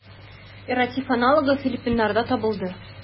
Эрратив аналогы филиппиннарда табылды.